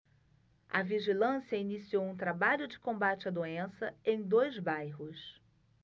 a vigilância iniciou um trabalho de combate à doença em dois bairros